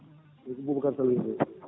eyyi ko Boubacar Sall o wiyete